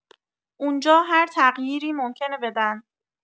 اونجا هر تغییری ممکنه بدن.